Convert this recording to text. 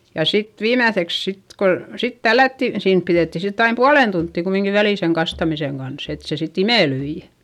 ja sitten viimeiseksi sitten kun sitten tällättiin siinä pidettiin sitten aina puolen tuntia kumminkin väliä sen kastamisen kanssa että se sitten imeltyi